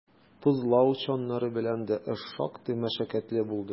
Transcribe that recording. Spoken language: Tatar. Тозлау чаннары белән дә эш шактый мәшәкатьле булды.